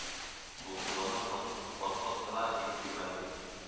Дулкынлану һәм картлык кына ирек бирмәде